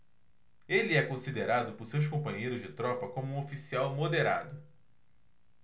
ele é considerado por seus companheiros de tropa como um oficial moderado